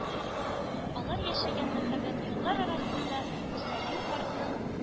Алар яшәгән мәһабәт йортлар арасында Мөсәллим картның